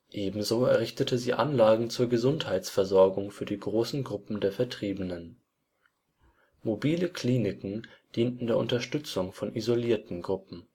Ebenso errichtete sie Anlagen zur Gesundheitsversorgung für die großen Gruppen der Vertriebenen. Mobile Kliniken dienten der Unterstützung von isolierten Gruppen